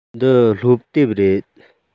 འདི སློབ དེབ རེད